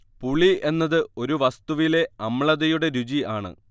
പുളി എന്നത് ഒരു വസ്തുവിലെ അമ്ളതയുടെ രുചി ആണ്